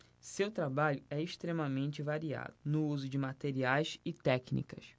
seu trabalho é extremamente variado no uso de materiais e técnicas